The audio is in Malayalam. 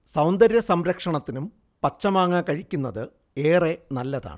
സൗന്ദര്യ സംരക്ഷണത്തിനും പച്ചമാങ്ങ കഴിക്കുന്നത് ഏറെ നല്ലതാണ്